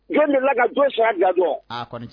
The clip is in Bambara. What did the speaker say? Jɔn dela ka jo si dajɔ a kɔni